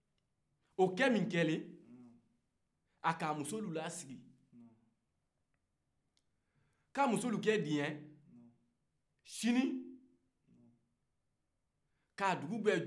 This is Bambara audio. a k'a musolu lasigi k'a musolu ka diɲɛ sini k'a duguguwɛ juma su la